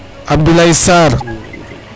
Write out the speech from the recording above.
Abdoulaye Sarr